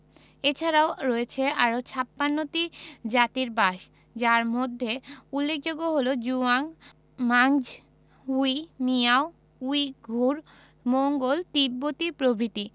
এছারাও রয়েছে আরও ৫৬ টি জাতির বাসযার মধ্যে উল্লেখযোগ্য হলো Zhuang Manchu Hui Miao Uyghur Mongol তিব্বতি প্রভৃতি